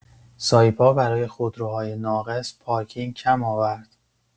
سایپا برای خودروهای ناقص، پارکینگ کم آورد!